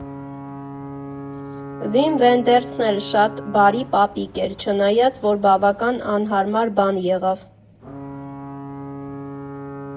Վիմ Վենդերսն էլ շատ բարի պապիկ էր, չնայած, որ բավական անհարմար բան եղավ.